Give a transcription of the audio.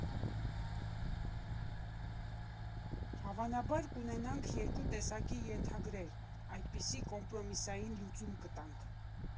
Հավանաբար կունենանք երկու տեսակի ենթագրեր, այդպիսի կոմպրոմիսային լուծում կտանք։